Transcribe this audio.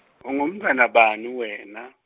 ungumntfwanami wena?